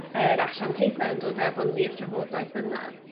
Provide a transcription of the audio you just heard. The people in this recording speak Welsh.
yr asiantaeth'n dod efo'n wir drafodaeth yna.